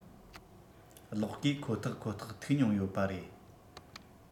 གློག སྐས ཁོ ཐག ཁོ ཐག ཐུག མྱོང ཡོད པ རེད